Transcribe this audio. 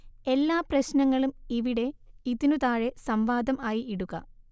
എല്ലാ പ്രശ്നങ്ങളും ഇവിടെ ഇതിനു താഴെ സം‌വാദം ആയി ഇടുക